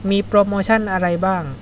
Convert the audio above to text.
มีโปรโมชั่นอะไรบ้าง